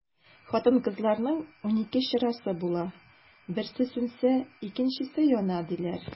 Хатын-кызларның унике чырасы була, берсе сүнсә, икенчесе яна, диләр.